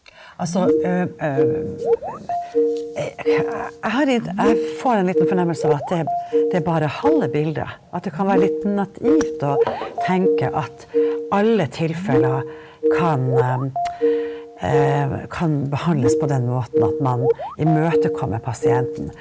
altså jeg har jeg får en liten fornemmelse av at det det er bare halve bildet, at det kan være litt naivt å tenke at alle tilfeller kan kan behandles på denne måten, at man imøtekommer pasienten.